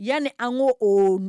Yan ni an ko o